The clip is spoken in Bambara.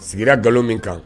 Sigira nkalonlo min kan